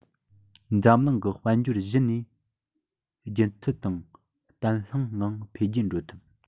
འཛམ གླིང གི དཔལ འབྱོར གཞི ནས རྒྱུན མཐུད དང བརྟན ལྷིང ངང འཕེལ རྒྱས འགྲོ ཐུབ